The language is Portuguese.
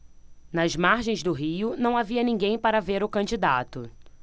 nas margens do rio não havia ninguém para ver o candidato